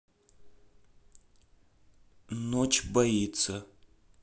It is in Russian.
ночь боится